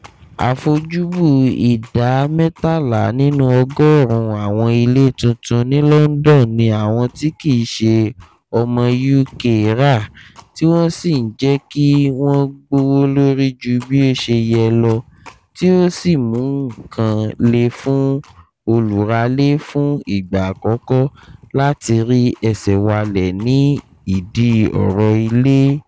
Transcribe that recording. Àfojúbù ìdá 13 nínú ọgọ́rùn ún àwọn ilé tuntun ní London ní àwọn tí kìíṣe ọmọ UK rà, tí wọ́n sì ń jẹ́ kí wọ́n gbówó lórí ju bí ó ṣe yẹ lọ tí ó sì ń mú nǹkan le fún olùralé fún ìgbà àkọ̀kọ̀ láti rí ẹsẹ̀ walẹ̀ ní ìdí ọ̀rọ̀ ilé.